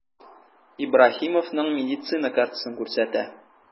Ибраһимовның медицина картасын күрсәтә.